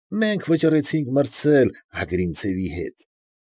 Մենք վճռեցինք մրցել Ագրինցևի հետ։